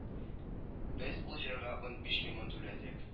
Без ул җырга унбиш лимон түләдек